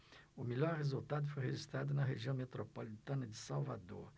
o melhor resultado foi registrado na região metropolitana de salvador